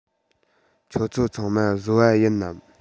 ཁྱོད ཚོ ཚང མ བཟོ པ ཡིན ནམ